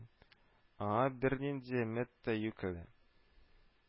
Аңа бернинди өмет тә юк әле